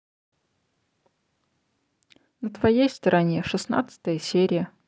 на твоей стороне шестнадцатая серия